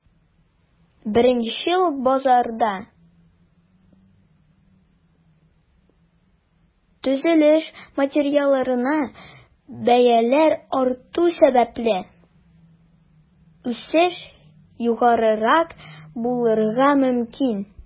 Беренчел базарда, төзелеш материалларына бәяләр арту сәбәпле, үсеш югарырак булырга мөмкин.